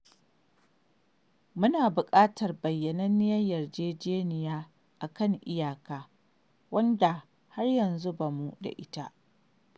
Muna buƙatar bayyananniyar yarjejeniya a kan iyaka, wadda har yanzu ba mu da ita.